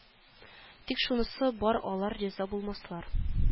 Тик шунысы бар алар риза булмаслар